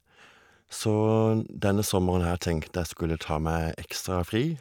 Så denne sommeren her tenkte jeg skulle ta meg ekstra fri.